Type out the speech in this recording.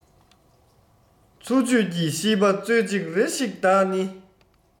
འཚོ བཅུད ཀྱི ཤིས པ སྩོལ ཅིག རེ ཞིག བདག ནི